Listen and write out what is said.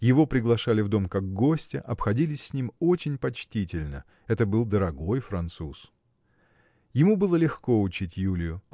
Его приглашали в дом как гостя, обходились с ним очень почтительно это был дорогой француз. Ему было легко учить Юлию